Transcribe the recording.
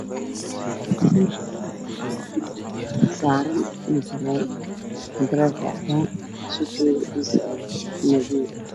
Suud saran mutuleel mutylelka cadan suudka madoow